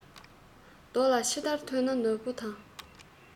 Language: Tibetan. རྡོ ལ ཕྱི བདར ཐོན ན ནོར བུ དང